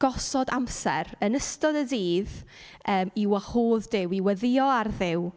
gosod amser yn ystod y dydd yym i wahodd Duw, i weddïo ar Dduw?